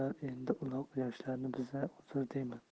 endigi uloq yoshlarniki bizga uzr deyman